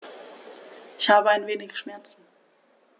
Ich habe ein wenig Schmerzen.